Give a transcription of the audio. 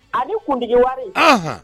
A ni kundigi wari. Anhan!